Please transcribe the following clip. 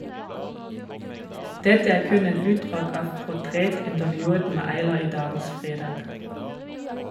Dette er kun et utdrag av portrettintervjuet med Aylar i dagens FREDAG.